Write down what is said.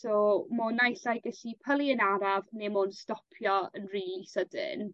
so m'o naill ai gyllu pylu yn araf ne' m'o'n stopio yn rili sydyn